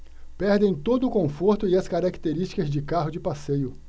perdem todo o conforto e as características de carro de passeio